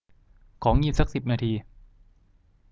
ของีบสักสิบนาที